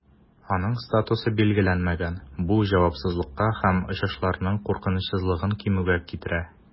Аның статусы билгеләнмәгән, бу җавапсызлыкка һәм очышларның куркынычсызлыгын кимүгә китерә.